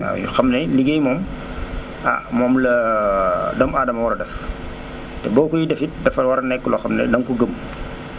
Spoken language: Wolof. waaw yoo xam ne liggéey moom ah moom la doomu aadama war a def te boo koy def it dafa war a nekk loo xam ne na nga ko gëm